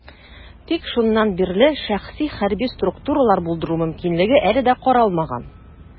Тик шуннан бирле шәхси хәрби структуралар булдыру мөмкинлеге әле дә каралмаган.